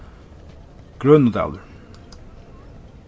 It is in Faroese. grønudalur